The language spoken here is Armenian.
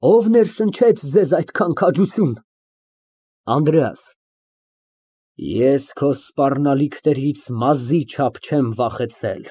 Ո՞վ ներշնչեց ձեզ այդքան քաջություն։ ԱՆԴՐԵԱՍ ֊ Ես քո սպառնալիքներից մազի չափ չեմ վախեցել։